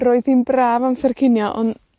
Roedd hi'n braf amser cinio, on'